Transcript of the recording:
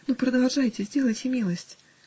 но продолжайте, сделайте милость.